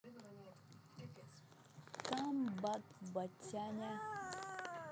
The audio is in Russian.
комбат батяня